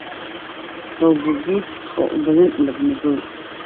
Kabo buud buud oo u badan mad madow.